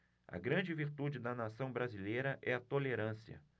a grande virtude da nação brasileira é a tolerância